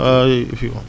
oui *